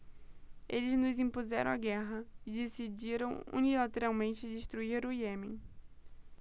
eles nos impuseram a guerra e decidiram unilateralmente destruir o iêmen